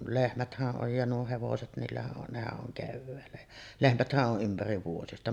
lehmäthän on ja nuo hevoset niillähän on nehän on keväällä ja lehmäthän on ympäri vuodesta